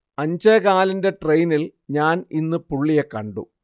അഞ്ചേകാലിന്റെ ട്രെയിനിൽ ഞാൻ ഇന്ന് പുള്ളിയെ കണ്ടു